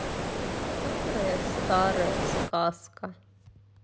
старая старая сказка